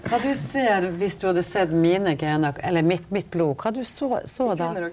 kva du ser viss du hadde sett mine gena eller mitt mitt blod, kva du såg såg då?